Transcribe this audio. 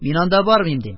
Мин анда бармыйм, - дим,